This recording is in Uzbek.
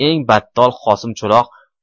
eng battol qosim cho'loq